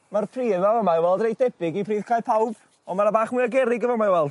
Ma'r pridd yma ma' i weld reit debyg i pridd cae pawb ond ma' na bach mwy o gerrig yn fama i weld.